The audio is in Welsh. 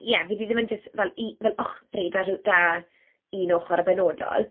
Ie, fydd hi ddim yn jyst fel i- fel ochri 'da ryw 'da un ochr yn benodol.